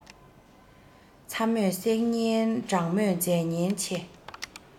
ཚ མོས བསྲེག ཉེན གྲང མོས རྫས ཉེན ཆེ